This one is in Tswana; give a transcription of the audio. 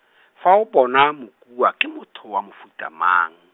fa o bona Mokua, ke motho wa mofuta mang?